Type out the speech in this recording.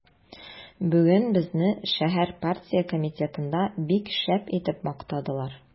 Бүген безне шәһәр партия комитетында бик шәп итеп мактадылар.